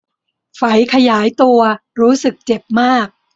ไฝขยายตัวรู้สึกเจ็บมาก